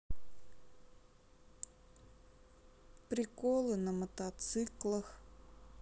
приколы на мотоциклах